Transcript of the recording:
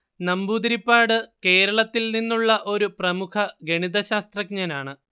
നമ്പൂതിരിപ്പാട് കേരളത്തിൽ നിന്നുള്ള ഒരു പ്രമുഖ ഗണീതശാസ്ത്രജ്ഞനാണ്